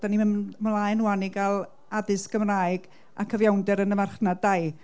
dan ni'n mynd ymlaen rŵan i gael addysg Gymraeg a cyfiawnder yn y marchnad dai.